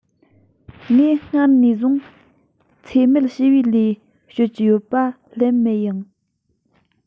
ངས སྔར ནས བཟུང འཚེ མེད ཞི བའི ལས གཞོལ གྱི ཡོད པ སླད ཕྱིན ཡང དེ ལྟར བྱེད ཀྱི ཡིན ཞེས བཤད ཡོད